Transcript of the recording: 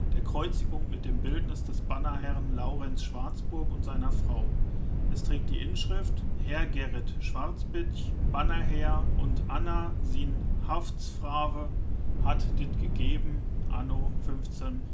der Kreuzigung mit dem Bildnis des Bannerherren Laurenz Schwarzburg und seiner Frau. Es trägt die Inschrift - Herr Gerit Schwartzbitch, Bannerherr, und Anna sin Hawtzfrawe hat dit gegeben AO 1564